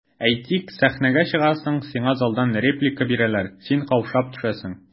Әйтик, сәхнәгә чыгасың, сиңа залдан реплика бирәләр, син каушап төшәсең.